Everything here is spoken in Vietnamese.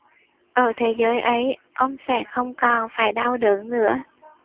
ở thế giới ấy ông sẽ không còn phải đau đớn nữa